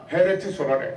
Hɛrɛ tɛ saba dɛ